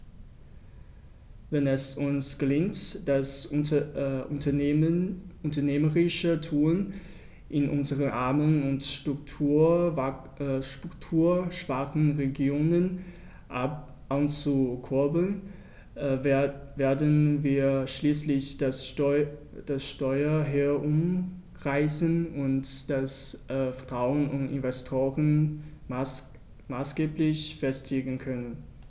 Wenn es uns gelingt, das unternehmerische Tun in unseren armen und strukturschwachen Regionen anzukurbeln, werden wir schließlich das Steuer herumreißen und das Vertrauen von Investoren maßgeblich festigen können.